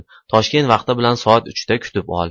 toshkent vaqti bilan soat uchda kutib ol